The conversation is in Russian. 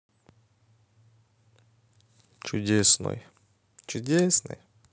чудесной